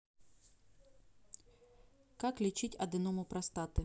как лечить аденому простаты